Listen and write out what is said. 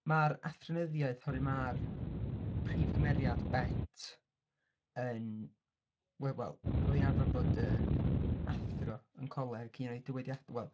Mae'r athronyddiaeth, oherwydd mae'r prif gymeriad Bet yn... wel wel oedd hi'n arfer bod yn athro yn coleg un o'i dywediadau... wel...